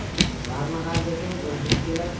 g'arni g'ar desang o'lgisi kelar